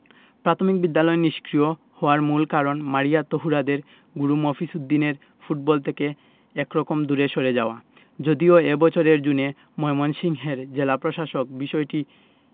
প্রাথমিক বিদ্যালয় নিষ্ক্রিয় হওয়ার মূল কারণ মারিয়া তহুরাদের গুরু মফিজ উদ্দিনের ফুটবল থেকে একরকম দূরে সরে যাওয়া যদিও এ বছরের জুনে ময়মনসিংহের জেলা প্রশাসক বিষয়টি